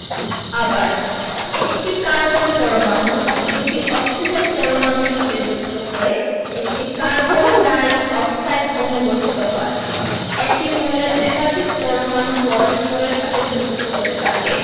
আবার একটি কার্বন পরমাণু দুটি অক্সিজেন পরমাণুর সাথে যুক্ত হয়ে একটি কার্বন ডাই অক্সাইড অণু গঠিত হয় একই মৌলের একাধিক পরমাণু পরস্পরের সাথে যুক্ত হলে তাকে